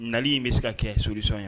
Nali in bɛ se ka kɛ sosɔn ye